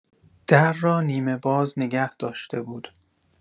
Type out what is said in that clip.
در را نیمه‌باز نگه داشته بود.